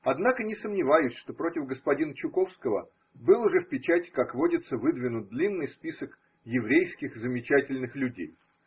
Однако не сомневаюсь, что против господина Чуковского был уже в печати, как водится, выдвинут длинный список еврейских замечательных людей.